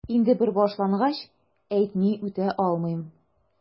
Инде бер башлангач, әйтми үтә алмыйм...